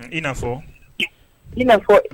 I'a fɔ in'a fɔ